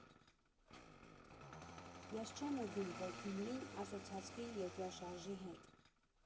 Ես չեմ ուզում, որ Գյումրին ասոցացվի երկրաշարժի հետ։